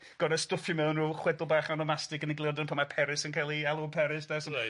gor'o' stwffio mewn rw chwedl bach onomastic yn egluro 'den pam mae Perys yn ca'l 'i alw'n Peres de so... Reit.